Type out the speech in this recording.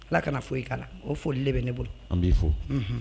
Ala ka foyi k' o folilen bɛ ne bolo an b'i fo